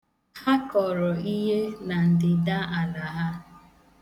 Ha kọrọ ihe na ndịda ala ha.